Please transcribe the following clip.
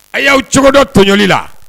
A y'aw cogo dɔ tɔɲɔli la